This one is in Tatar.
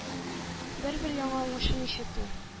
Бер-бер яңа уңышын ишетү;